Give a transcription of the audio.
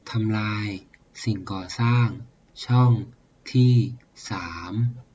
ทำลายสิ่งก่อสร้างช่องที่สาม